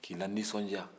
k 'i lanisɔndiya